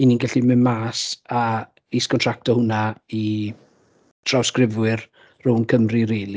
'y ni'n gallu mynd mas a is-gontracto hwnna i drawsgrifwyr rownd Cymru rili.